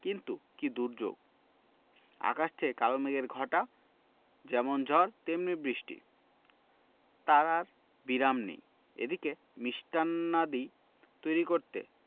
কিন্তু কি দুর্যোগ আকাশ ছেয়ে কালো মেঘের ঘটা যেমন ঝড় তেমনি বৃষ্টি তার আর বিরাম নেই এদিকে মিষ্টান্নাদি তৈরি করতে